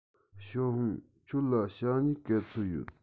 ཞའོ ཧུང ཁྱོད ལ ཞྭ སྨྱུག ག ཚོད ཡོད